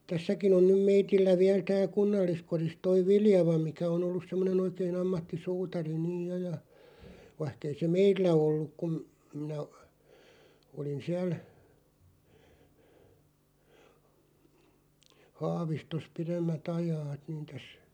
tässäkin on nyt meillä vielä täällä kunnalliskodissa tuo Viljava mikä on ollut semmoinen oikein ammattisuutari niin jo ja vaikka ei se meillä ollut kun minä olin siellä Haavistossa pidemmät ajat niin tässä